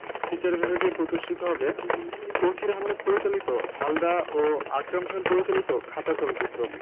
feature বিভাগে প্রদর্শিত হবে তৌকীর আহমেদ পরিচালিত হালদা ও আকরাম খান পরিচালিত খাঁচা চলচ্চিত্র